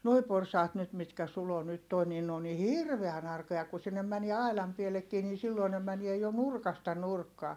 nuo porsaat nyt mitkä Sulo nyt tuo niin ne on niin hirveän arkoja kun sinne menee aidan pieleenkin niin silloin ne menee jo nurkasta nurkkaan